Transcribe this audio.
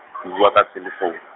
ke bua ka selefoune.